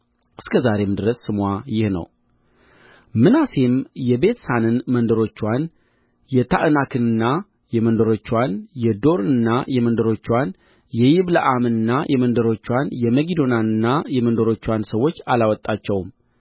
እስከ ዛሬም ድረስ ስምዋ ይህ ነው ምናሴም የቤትሳንንና የመንደሮችዋን የታዕናክንና የመንደሮችዋን የዶርንና የመንደሮችዋን የይብለዓምንና የመንደሮችዋን የመጊዶንና የመንደሮችዋን ሰዎች አላወጣቸውም